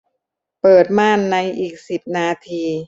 เปิดม่านในอีกสิบนาที